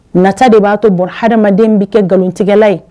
Nasa de b'a to bon hadamaden bɛ kɛ nkalontigɛla ye